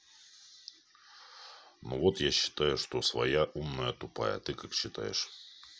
ну вот я считаю что свою умная тупая ты как считаешь